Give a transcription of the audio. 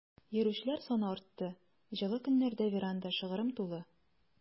Йөрүчеләр саны артты, җылы көннәрдә веранда шыгрым тулы.